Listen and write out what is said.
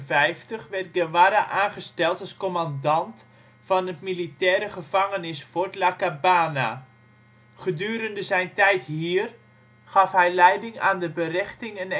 1959 werd Guevara aangesteld als commandant van het militaire gevangenisfort " La Cabana ". Gedurende zijn tijd hier gaf hij leiding aan de berechting en